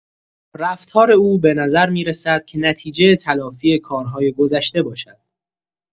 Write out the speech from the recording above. رفتار او به نظر می‌رسد که نتیجه تلافی کارهای گذشته باشد.